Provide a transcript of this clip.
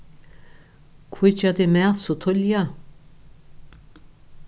hví gera tit mat so tíðliga